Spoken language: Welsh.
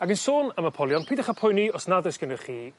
ac yn sôn am y polion pidwch â poeni os nad oes gennoch chi